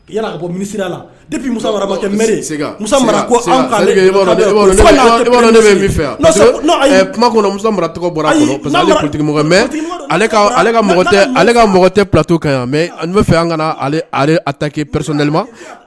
Mɔgɔ tɛto mɛ fɛre